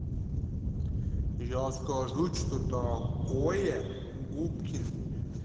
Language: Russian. я скажу что такое губкин